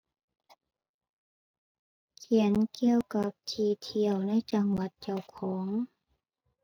เขียนเกี่ยวกับที่เที่ยวในจังหวัดเจ้าของ